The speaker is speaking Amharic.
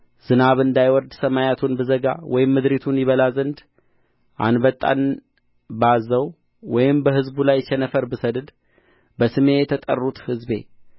ዝናብ እንዳይወርድ ሰማያቱን ብዘጋ ወይም ምድሪቱን ይበላ ዘንድ አንበጣን ባዝዘው ወይም በሕዝብ ላይ ቸነፈር ብሰድድ በስሜ የተጠሩት ሕዝቤ